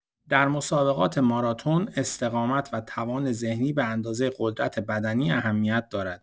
در مسابقات ماراتن، استقامت و توان ذهنی به‌اندازه قدرت‌بدنی اهمیت دارد.